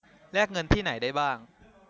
แลกเงินที่ไหนได้บ้าง